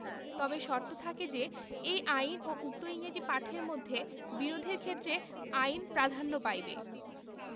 তবে শর্ত থাকে যে এই আইন ও উক্ত ইংরেজী পাঠের মধ্যে বিরোধের ক্ষেত্রে আইন প্রাধান্য পাইবে